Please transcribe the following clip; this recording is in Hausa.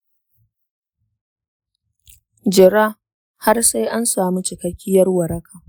jira har sai an samu cikakkiyar waraka